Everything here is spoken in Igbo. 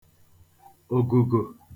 ògùgò